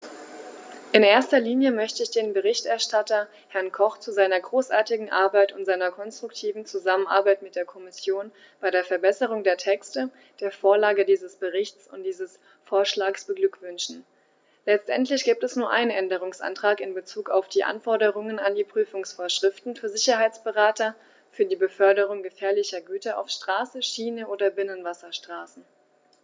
In erster Linie möchte ich den Berichterstatter, Herrn Koch, zu seiner großartigen Arbeit und seiner konstruktiven Zusammenarbeit mit der Kommission bei der Verbesserung der Texte, der Vorlage dieses Berichts und dieses Vorschlags beglückwünschen; letztendlich gibt es nur einen Änderungsantrag in bezug auf die Anforderungen an die Prüfungsvorschriften für Sicherheitsberater für die Beförderung gefährlicher Güter auf Straße, Schiene oder Binnenwasserstraßen.